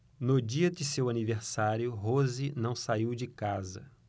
no dia de seu aniversário rose não saiu de casa